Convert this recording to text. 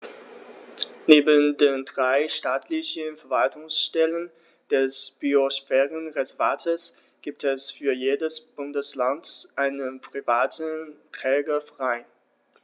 Neben den drei staatlichen Verwaltungsstellen des Biosphärenreservates gibt es für jedes Bundesland einen privaten Trägerverein.